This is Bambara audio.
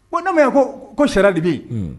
Ko n ko ko sira debi yen